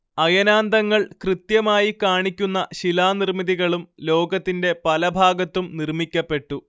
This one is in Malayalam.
അയനാന്തങ്ങൾ കൃത്യമായി കാണിക്കുന്ന ശിലാനിർമ്മിതികളും ലോകത്തിന്റെ പലഭാഗത്തും നിർമ്മിക്കപ്പെട്ടു